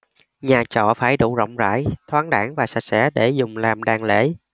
nhà trọ phải đủ rộng rãi thoáng đãng và sạch sẽ để dùng làm đàn lễ